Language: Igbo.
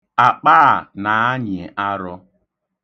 Akpa a na-anyị arọ.